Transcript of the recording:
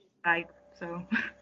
Cymraeg so.